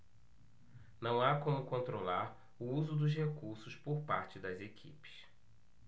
não há como controlar o uso dos recursos por parte das equipes